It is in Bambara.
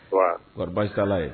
Warikala ye